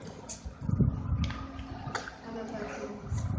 Eineinhalb Stunden